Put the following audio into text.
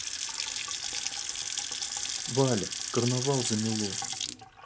валя карнавал замело